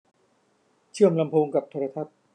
เชื่อลำโพงกับโทรทัศน์